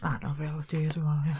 Na nofel ydy hi dwi'n meddwl ia?